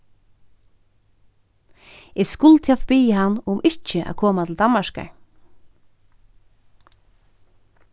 eg skuldi havt biðið hann um ikki at koma til danmarkar